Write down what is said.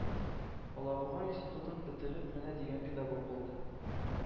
Алабуга институтын бетереп, менә дигән педагог булды.